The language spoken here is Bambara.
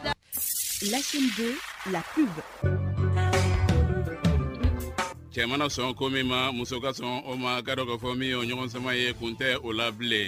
La chɛn de la pib cɛmanan sɔn ko min ma muso ka sɔn o ma i ka dɔn ka fɔ min ye o ɲɔgɔnsaman ye kun tɛ o la bilen